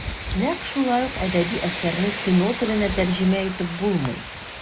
Нәкъ шулай ук әдәби әсәрне кино теленә тәрҗемә итеп булмый.